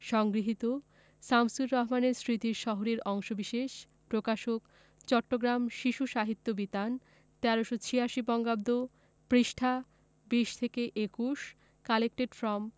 সংগৃহীত শামসুর রাহমানের স্মৃতির শহর এর অংশবিশেষ প্রকাশকঃ চট্টগ্রাম শিশু সাহিত্য বিতান ১৩৮৬ বঙ্গাব্দ পৃষ্ঠাঃ ২০ থেকে ২১ কালেক্টেড ফ্রম